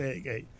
eyyi eyyi